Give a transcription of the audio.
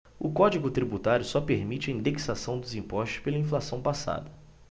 o código tributário só permite a indexação dos impostos pela inflação passada